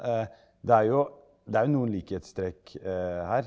det er jo det er jo noen likhetstrekk her.